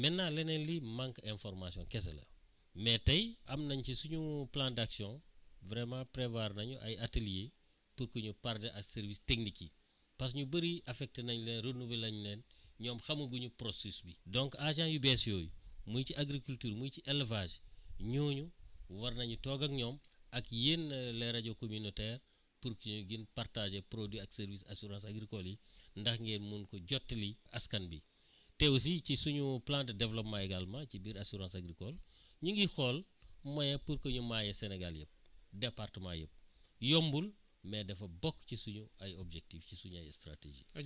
maintenant lenee li manque information kese la mais tey am nañ ci suñu plan d' action vraiment prévoir nañu ay ateliers pour que ñu parler ak services techniques yi parce que ñu bëri affecter nañ leen renouveler nañ leen ñoom xamaguñu processus bi donc agent yu bees yooyu muy ci agriculture muy ci élévage ñooñu war nañu toog ak ñoom ak yéen les rajo communautaires pour que ngeen partager projet ak service assurance agricole yi ndax ngeen mun ko jottali askan bi te aussi ci suñu plan de développement également ci biir assurance agricole ñu ngi xool moyen pour que ñu maañe Sénégal yëpp département yëpp yombul mais dafa bokk ci suñu ay objectifs si suñu ay stratégies